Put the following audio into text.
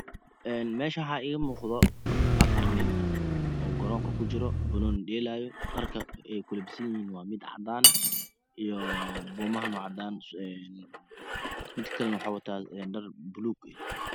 Ee meeshan waxaa iga muuqdo afar nin oo garoonka kujiro banooni dheelayo dharka ay kula bisanyihiin waa mid cadaan buumahana waa cadaan midka kalana waxa uu wataa dhar buluug ah